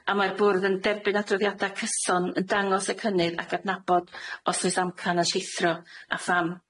a mae'r bwrdd yn derbyn adroddiada cyson yn dangos y cynnydd, ac adnabod os oes amcan yn llithro, a pham.